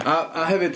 A a hefyd...